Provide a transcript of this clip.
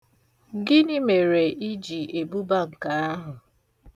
Gịnị mere ị ji ebuba nke ahụ?